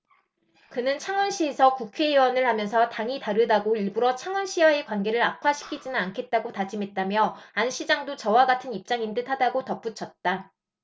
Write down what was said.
그는 창원시에서 국회의원을 하면서 당이 다르다고 일부러 창원시와의 관계를 악화시키지는 않겠다고 다짐했다며 안 시장도 저와 같은 입장인 듯 하다고 덧붙였다